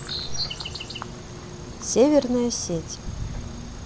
северная сеть